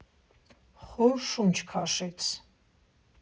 Խոր շունչ քաշեց։